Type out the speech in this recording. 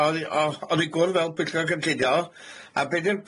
o'n i o- o'n i gwrdd fel bylla cynllunio a be' 'di'r